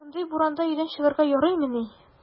Мондый буранда өйдән чыгарга ярыймыни!